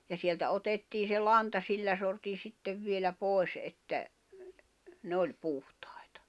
ja sieltä otettiin se lanta sillä sortin sitten vielä pois että ne oli puhtaita